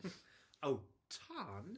Hmm, o! Tân?